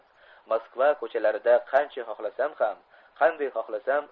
moskva ko'chalarida qancha xohlasam va qanday xohlasam